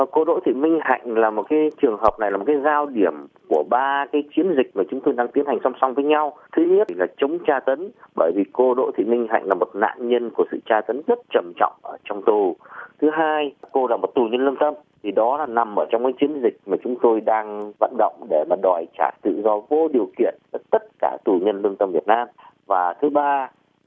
ờ cô đỗ thị minh hạnh là một cái trường hợp này là một cái giao điểm của ba cái chiến dịch mà chúng tôi đang tiến hành song song với nhau thứ nhất là chống tra tấn bởi vì cô đỗ thị minh hạnh là một nạn nhân của sự tra tấn rất trầm trọng ở trong tù thứ hai cô là một tù nhân lương tâm thì đó là nằm ở trong chiến dịch mà chúng tôi đang vận động để mà đòi trả tự do vô điều kiện tất cả tù nhân lương tâm việt nam và thứ ba là